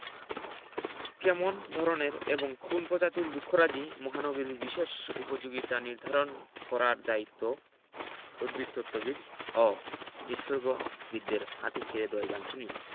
কেমন ধরনের এবং কোন্ প্রজাতির বৃক্ষরাজি মহানগরীর সবিশেষ উপযোগী তা নির্ধারণ করার দায়িত্ব উদ্ভিদতত্ত্ববিদ ও নিসর্গবিদদের হাতে ছেড়ে দেয়াই বাঞ্ছনীয়